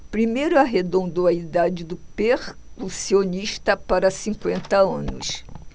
primeiro arredondou a idade do percussionista para cinquenta anos